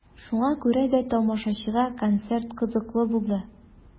Шуңа күрә дә тамашачыга концерт кызыклы булды.